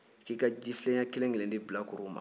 ko i ka jifilen ɲɛ kelen-kelen di a bɛɛ ma